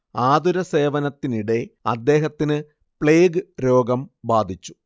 ആതുരസേവനത്തിനിടെ അദ്ദേഹത്തിന് പ്ലേഗ് രോഗം ബാധിച്ചു